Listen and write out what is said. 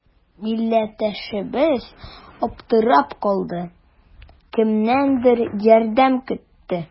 Милләттәшебез аптырап калды, кемнәндер ярдәм көтте.